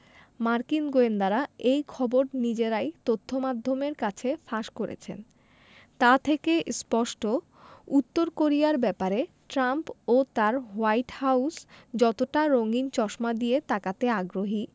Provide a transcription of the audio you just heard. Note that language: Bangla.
মার্কিন গোয়েন্দারা যে এই খবর নিজেরাই তথ্যমাধ্যমের কাছে ফাঁস করেছেন তা থেকে স্পষ্ট উত্তর কোরিয়ার ব্যাপারে ট্রাম্প ও তাঁর হোয়াইট হাউস যতটা রঙিন চশমা দিয়ে তাকাতে আগ্রহী